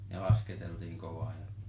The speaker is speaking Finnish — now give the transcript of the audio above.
ja lasketeltiin kovaa ja